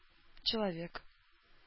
Человек